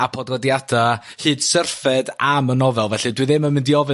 a podlediada' hyd syrffed am y nofel felly dwi ddim yn mynd i ofyn